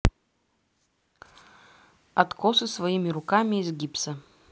откосы своими руками из гипса